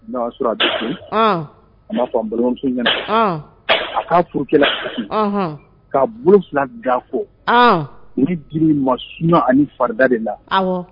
A ma fɔ balimamuso ɲɛna a k'a furu k'a bolo gafo i di mas sun ani farida de la